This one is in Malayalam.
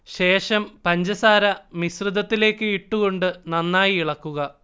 ശേഷം പഞ്ചസാര മിശ്രിതത്തിലേക്ക് ഇട്ടുകൊണ്ട് നന്നായി ഇളക്കുക